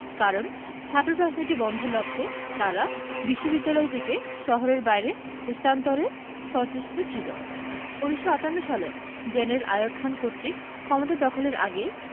কারণ ছাত্ররাজনীতি বন্ধের লক্ষ্যে তারা বিশ্ববিদ্যালয়টিকে শহরের বাইরে স্থান্তরে সচেষ্ট ছিল ১৯৫৮ সালে জেনারেল আইয়ুব খান কর্তৃক ক্ষমতা দখলের আগেই